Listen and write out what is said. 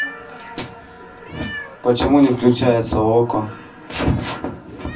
почему не включается окко